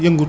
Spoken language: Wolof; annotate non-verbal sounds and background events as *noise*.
*hesitation*